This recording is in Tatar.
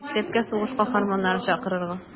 Мәктәпкә сугыш каһарманнарын чакырырга.